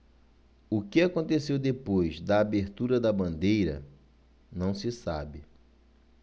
o que aconteceu depois da abertura da bandeira não se sabe